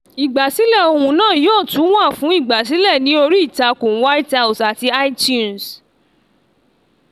Ìgbàsílẹ̀ ohùn náà yóò tún wà fún ìgbàsílẹ̀ ní orí ìtakùn White House àti iTunes.